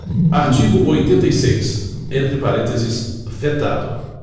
artigo oitenta e seis entre parênteses vetado